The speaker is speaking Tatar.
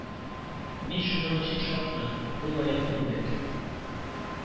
Мин шуның өчен шатмын, бу лаеклы бүләк